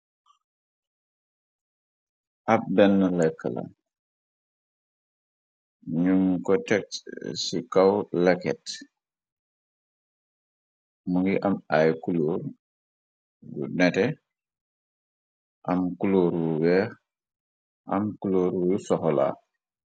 Ab benn lekk la num ko tek ci kaw laket. Mu ngi am ay kulóor gu nete eam kulóru yu sokola.